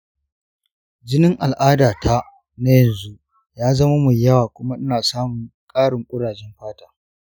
jinin al’adatana yanzu ya zama mai yawa kuma ina samun ƙarin kurajen fata.